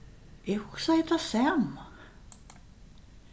eg hugsaði tað sama